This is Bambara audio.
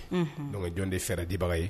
Dɔn jɔn de fɛ dibaga ye